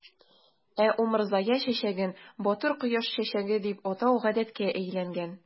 Ә умырзая чәчәген "батыр кояш чәчәге" дип атау гадәткә әйләнгән.